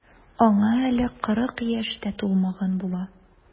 Аңа әле кырык яшь тә тулмаган була.